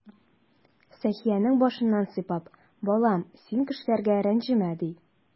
Сәхиянең башыннан сыйпап: "Балам, син кешеләргә рәнҗемә",— ди.